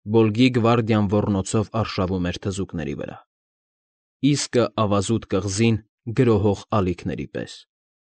Բոլգի գվարդիան ոռնոցով արշավում էր թզուկների վրա, իսկը ավազուտ կղզին գրոհող ալիքների պես։